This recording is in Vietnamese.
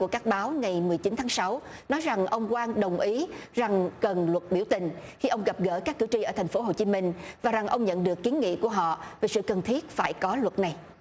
của các báo ngày mười chín tháng sáu nói rằng ông quang đồng ý rằng cần luật biểu tình khi ông gặp gỡ các cử tri ở thành phố hồ chí minh và rằng ông nhận được kiến nghị của họ về sự cần thiết phải có luật này